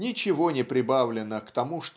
Ничего не прибавлено к тому